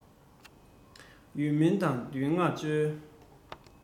ཡིད སྨོན དང འདུན མའང བཅོལ